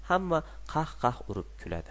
hamma qah qah urib kuladi